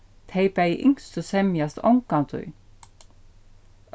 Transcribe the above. tey bæði yngstu semjast ongantíð